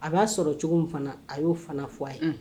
A b'a sɔrɔ cogo fana a y'o fana fɔ a ye